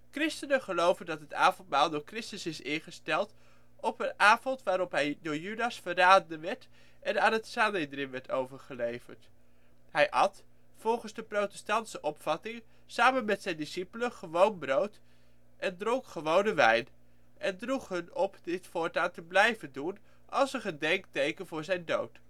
Christenen geloven dat het avondmaal door Christus is ingesteld op de avond waarop hij door Judas verraden en aan het Sanhedrin overgeleverd werd. Hij at, volgens de protestantse opvatting, samen met zijn discipelen gewoon brood en dronk gewone wijn, en droeg hun op om dit voortaan te blijven doen als een gedenkteken voor zijn dood